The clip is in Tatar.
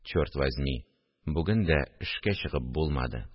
Чёрт возьми, бүген дә эшкә чыгып булмады